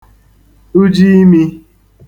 ujiimī